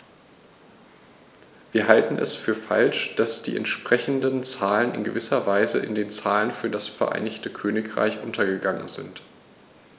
Wir halten es für falsch, dass die entsprechenden Zahlen in gewisser Weise in den Zahlen für das Vereinigte Königreich untergegangen sind.